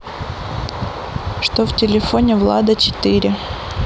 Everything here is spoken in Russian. что в телефоне влада четыре